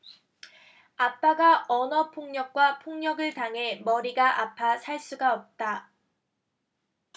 아빠가 언어폭력과 폭력을 당해 머리가 아파 살 수가 없다